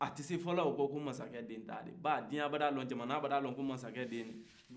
a tɛ se ka fɔ bilen ko mansacɛ den t'a ye barisa diɲɛ y'a dɔn jamana y'a dɔn ko mansacɛ den dɔn